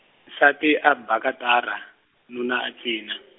nsati a ba katara, nuna a cina.